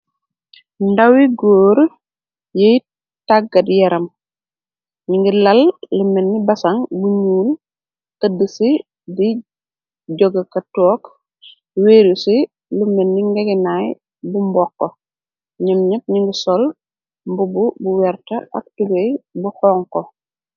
Ndawi góore yiy tàggat yaram, ñi ngi lal lu menni basaŋ, bu ñuul tëdd ci di joga ka toog, wéru ci lu menni ngeginaay bu mbokk, ñëm ñep ñingi sol mbubu bu werta ak tugey bu xonxu.